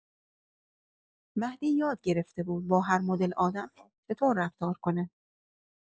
مهدی یاد گرفته بود با هر مدل آدم چطور رفتار کنه.